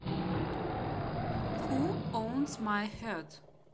who owns my heart